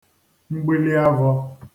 mbịlị avọ